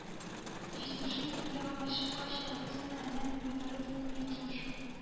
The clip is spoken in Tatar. Җитмешнең теге ягына чыккач, ялгыз гына әллә ни майтарып булмый икән шул.